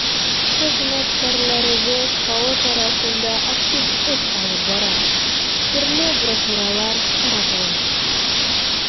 Хезмәткәрләребез халык арасында актив эш алып бара, төрле брошюралар таратыла.